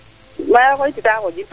maxey xooytita Khodjil